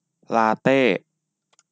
ลาเต้